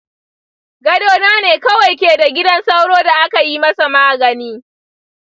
gado na ne kawai ke da gidan sauro da aka yi masa magani.